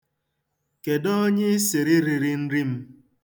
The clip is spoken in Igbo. Kedụ onye ị sịrị riri nri m?